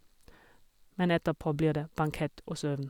Men etterpå blir det bankett og søvn.